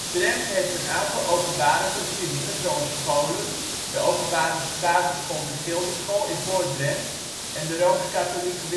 Drempt heeft een aantal openbare voorzieningen, zoals de scholen: De Openbare basisschool De Gildeschool (in Voor-Drempt) en de Rooms-Katholieke